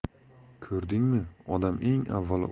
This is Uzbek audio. ko'rdingmi odam eng avvalo